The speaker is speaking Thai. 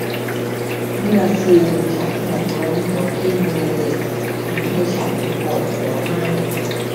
เมื่อคืนฉันหกล้มหัวทิ่มเลยทำให้ฉันปวดหัวมาก